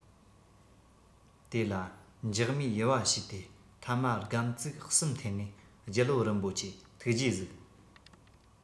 དེ ལ འཇག མས ཡུ བ བྱས ཏེ ཐ མ སྒམ ཙིག གསུམ འཐེན ནས རྒྱལ པོ རིན པོ ཆེ ཐུགས རྗེས གཟིགས